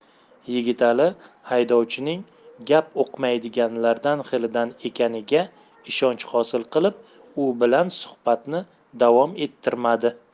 yigitali haydovchining gap uqmaydiganlar xilidan ekaniga ishonch hosil qilib u bilan suhbatni davom ettirmadi